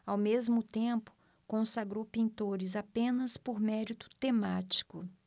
ao mesmo tempo consagrou pintores apenas por mérito temático